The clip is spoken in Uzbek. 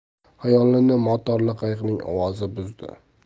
xayolini motorli qayiqning ovozi buzdi